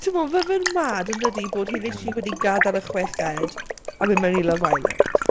Tibod fel mae'n mad yn dydi bod hi literally wedi... mm... gadael y chweched, a mynd mewn i Love Island.